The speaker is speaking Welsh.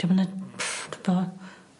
'Di o'm yn yy dw 'bo'.